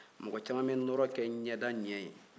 mɔgɔ caman bɛ nɔɔrɔ kɛ ɲɛda ɲɛ ye